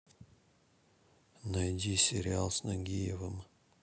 найди сериал с нагиевым